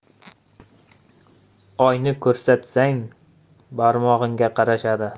oyni ko'rsatsang barmog'ingga qarashadi